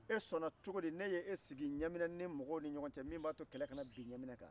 e sɔnna cogodi ne y'e sigi ɲamina ni mɔgɔw ni ɲɔgɔn cɛ min b'a to kɛlɛ ka na bin ɲamina kan